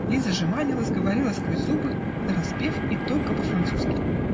Лиза жеманилась, говорила сквозь зубы, нараспев, и только по-французски.